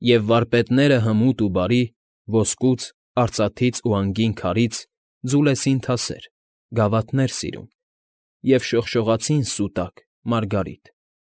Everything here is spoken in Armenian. Եվ վարպետները հմուտ ու բարի Ոսկուց, արծաթից ու անգին քարից Ձուլեցին թասեր, գավաթներ սիրուն, Եվ շողշողացին սուտակ, մարգարիտ։